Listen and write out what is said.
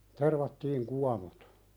tervattiin kuonot